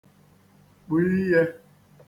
kpùiyē